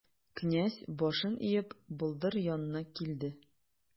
Князь, башын иеп, болдыр янына килде.